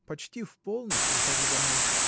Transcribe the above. Почти в полночь прихожу домой.